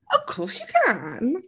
Of course you can!